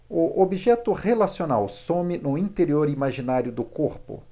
o objeto relacional some no interior imaginário do corpo